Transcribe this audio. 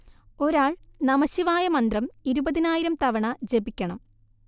ഒരാൾ നമഃശിവായ മന്ത്രം ഇരുപതിനായിരം തവണ ജപിക്കണം